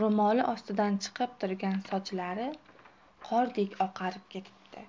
ro'moli ostidan chiqib turgan sochlari qordek oqarib ketibdi